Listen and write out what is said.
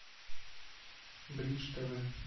бридж тв